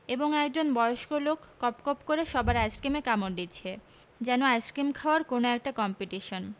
এবং আর একজন বয়স্ক লোক কপ কপ করে সবার আইসক্রিমে কামড় দিচ্ছে যেন আইসক্রিম খাওয়ার কোন একটা কম্পিটিশন